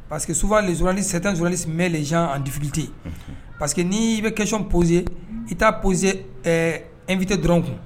Pas ke suwan lɛ zurnalis sɛrtɛn zurnalisi mɛ lɛzan an difikilte pas ke n'i bɛ kɛsiyɔn poze i t'a pozse